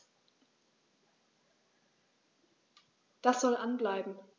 Das soll an bleiben.